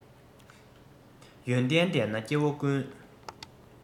ཡོན ཏན ལྡན ན སྐྱེ བོ ཀུན